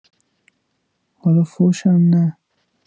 حالا فحشم نه